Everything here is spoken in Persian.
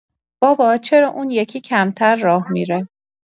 بابا، چرا اون یکی کمتر راه می‌ره؟